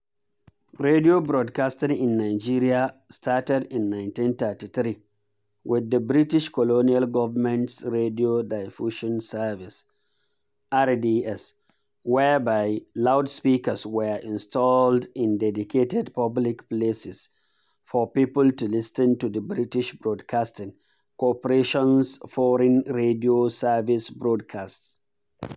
Radio broadcasting in Nigeria started in 1933 with the British colonial government’s Radio Diffusion Service (RDS), whereby loudspeakers were installed in dedicated public places for people to listen to the British Broadcasting Corporation’s foreign radio service broadcasts.